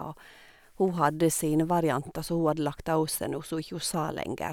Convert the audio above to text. Og hun hadde sine varianter som hun hadde lagt av seg nå, som ikke hun sa lenger.